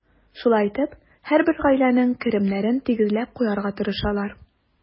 Шулай итеп, һәрбер гаиләнең керемнәрен тигезләп куярга тырышалар.